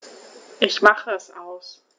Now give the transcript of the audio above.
Ich mache es aus.